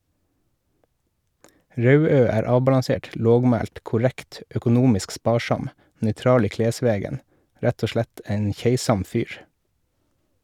Rauø er avbalansert, lågmælt, korrekt, økonomisk sparsam , nøytral i klesvegen - rett og slett ein keisam fyr.